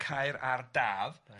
Caer ar Daf... Reit...